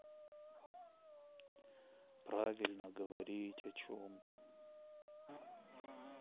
правильно говорить о чем то